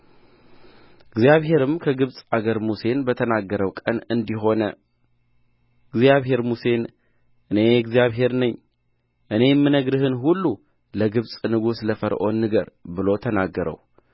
እግዚአብሔርም በግብፅ አገር ሙሴን በተናገረው ቀን እንዲህ ሆነ እግዚአብሔር ሙሴን እኔ እግዚአብሔር ነኝ እኔ የምነግርህን ሁሉ ለግብፅ ንጉሥ ለፈርዖን ንገር ብሎ ተናገረው